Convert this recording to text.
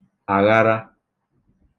àghara